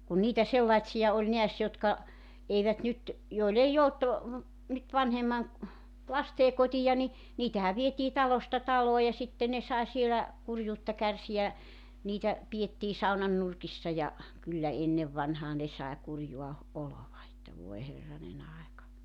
kun niitä sellaisia oli näet jotka eivät nyt joilla ei ollut nyt vanhemman lasten kotia niin niitähän vietiin talosta taloon ja sitten ne sai siellä kurjuutta kärsiä niitä pidettiin saunan nurkissa ja kyllä ennen vanhaa ne sai kurjaa oloa että voi herranen aika